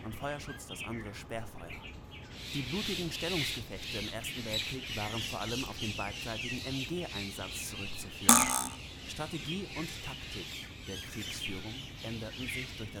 Feuerschutz – Sperrfeuer). Die blutigen Stellungsgefechte im Ersten Weltkrieg waren auf den beidseitigen MG-Einsatz zurückzuführen. Strategie und Taktik der Kriegsführung änderten sich grundlegend. Durch